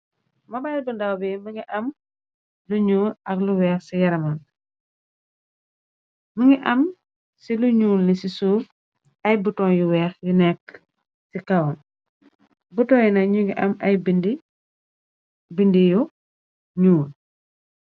mobayl bu ndaw bi më ngi am luñuu ak lu weex ci yaramant më ngi am ci lu ñuul ni ci suuf ay buton yu weex yu nekk ci kawon butonyi na ñu ngi am ay bindi yu ñuul